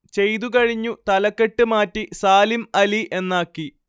ചെയ്തു കഴിഞ്ഞു തലക്കെട്ട് മാറ്റി സാലിം അലി എന്നാക്കി